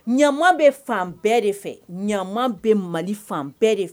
Ɲama bɛ fan bɛɛ de fɛ ɲama bɛ mali fan bɛɛ de fɛ